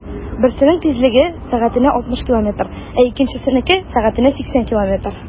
Берсенең тизлеге 60 км/сәг, ә икенчесенеке - 80 км/сәг.